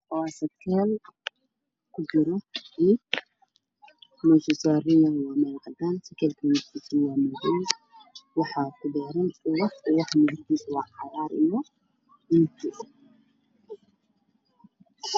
Waa sekaal waxaa ku jira ubax midabkiisu yahay cagaar binki waxaa ka dambeeyay darbi cagaar